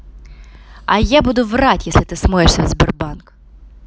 а я буду врать если ты смоешься в сбербанк